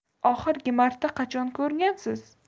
oxirgi marta qachon ko'rgansiz